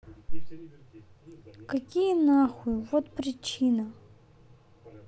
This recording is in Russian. какие нахуй вот причина